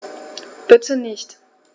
Bitte nicht.